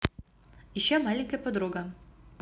еще маленькой подруга